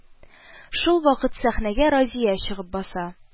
Шул вакыт сәхнәгә Разия чыгып баса